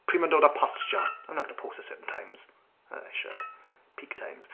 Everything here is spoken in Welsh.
Pryd mae'n dod at postio. I'm not going to post at certain times. Uh I should peak times.